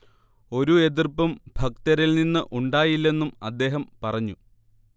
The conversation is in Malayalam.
ഒരു എതിർപ്പും ഭക്തരിൽനിന്ന് ഉണ്ടായില്ലെന്നും അദ്ദേഹം പറഞ്ഞു